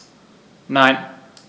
Nein.